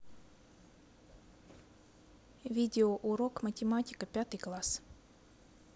видео урок математика пятый класс